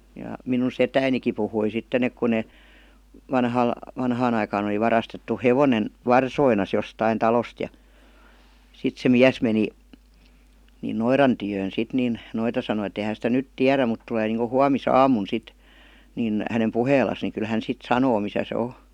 ja minun setänikin puhui sitten että kun ne - vanhaan aikaan oli varastettu hevonen varsoineen jostakin talosta ja sitten se mies meni niin noidan tykö sitten niin noita sanoi että ei he sitä nyt tiedä mutta tulee niin kuin huomisaamuna sitten niin hänen puheelleen niin kyllä hän sitten sanoo missä se on